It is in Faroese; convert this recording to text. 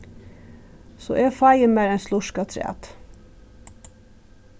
so eg fái mær ein slurk afturat